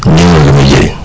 néew na lu muy jëriñ